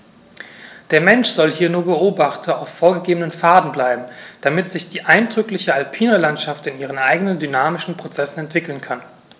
Der Mensch soll hier nur Beobachter auf vorgegebenen Pfaden bleiben, damit sich die eindrückliche alpine Landschaft in ihren eigenen dynamischen Prozessen entwickeln kann.